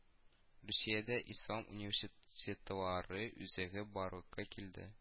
Русиядә Ислам университетлары үзәге барлыкка килде